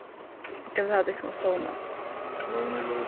eg vil hava tykkum at sovna